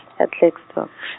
ya Klerksdorp .